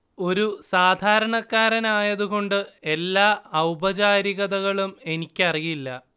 ഒരു സാധാരണക്കാരനായത് കൊണ്ട് എല്ലാ ഔപചാരികതകളും എനിക്കറിയില്ല